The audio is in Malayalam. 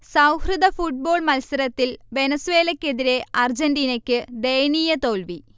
സൗഹൃദ ഫുഡ് ബോൾ മത്സരത്തിൽ വെനസ്വലക്കെതിരെ അർജന്റീനക്ക് ദയനീയ തോൽവി